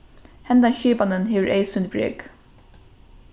henda skipanin hevur eyðsýnd brek